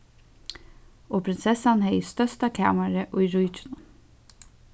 og prinsessan hevði størsta kamarið í ríkinum